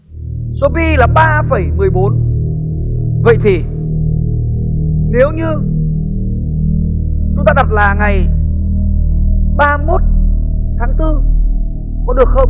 số pi là ba phẩy mười bốn vậy thì nếu như chúng ta đặt là ngày ba mốt tháng tư có